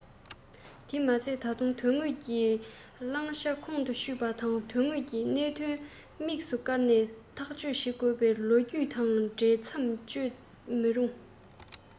དེས མ ཚད ད དུང དོན དངོས ཀྱི བླང བྱ ཁོང དུ ཆུད པ དང དོན དངོས ཀྱི གནད དོན དམིགས སུ བཀར ནས ཐག གཅོད བྱེད དགོས པ ལས ལོ རྒྱུས དང འབྲེལ མཚམས གཅོད མི རུང